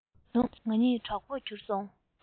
བཟུང ང གཉིས གྲོགས པོར གྱུར སོང